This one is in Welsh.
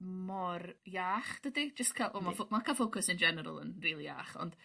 mor iach dydi jyst ca' o ma' fo- ma' ca'l focus in general yn rili iach ond